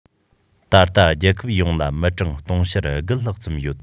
ད ལྟ རྒྱལ ཁབ ཡོངས ལ མི གྲངས དུང ཕྱུར དགུ ལྷག ཙམ ཡོད